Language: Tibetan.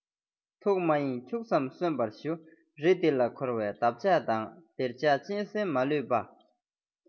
ཐུགས མ གཡེང ཁྱུག ཙམ གསོན པར ཞུ རི འདི ལ འཁོར བའི འདབ ཆགས དང སྡེར ཆགས གཅན གཟན མ ལུས པ